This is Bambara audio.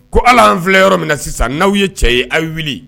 Ko alan filɛ yɔrɔ min na sisan naw ye cɛ ye aw ye wuli.